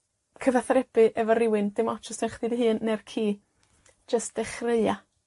cyfathrebu efo rywun, dim otsh os 'da chdi dy hun ne'r ci. Jyst dechreua.